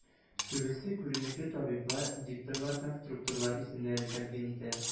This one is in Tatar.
Күбесе күренекле табиблар, дикторлар, конструкторлар исемнәрен тәкъдим итә.